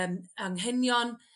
yym anghenion